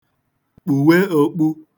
kpùwe ōkpū